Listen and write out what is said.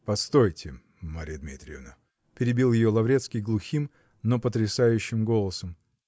-- Постойте, Марья Дмитриевна, -- перебил ее Лаврецкий глухим, но потрясающим голосом.